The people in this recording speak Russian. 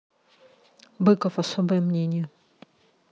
быков особое мнение